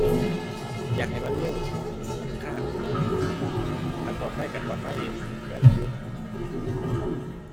อยากให้มันเร็วแหม มันค้างดู๋ อันปลอดภัยก็ปลอดภัยเดะ ก็อันนั้นอยู่